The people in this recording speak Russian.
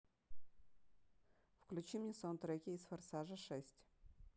включи мне саундтреки из форсажа шесть